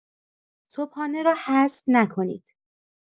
صبحانه را حذف نکنید.